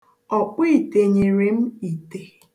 Ọkpụite nyere m ite.